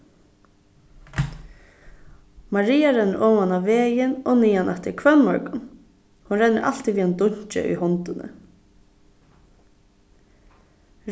maria rennur oman á vegin og niðan aftur hvønn morgun hon rennur altíð við einum dunki í hondini